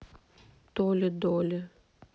толи доли